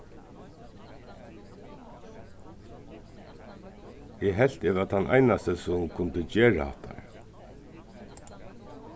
eg helt at eg var tann einasta sum kundi gera hatta